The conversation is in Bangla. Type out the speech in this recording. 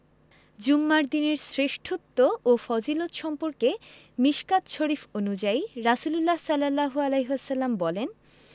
জুমার দিনের শ্রেষ্ঠত্ব ও ফজিলত সম্পর্কে মিশকাত শরিফ অনুযায়ী রাসুলুল্লাহ সা বলেন